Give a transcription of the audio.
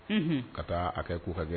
Unhun ka taa hakɛ kɛ ko hakɛ